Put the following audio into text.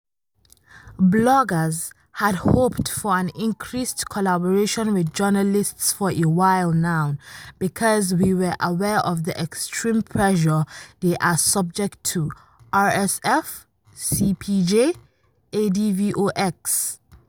Bloggers had hoped for an increased collaboration with journalists for a while now because we were aware of the extreme pressure they are subject to (RSF, CPJ, Advox).